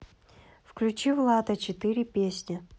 включи влад а четыре песня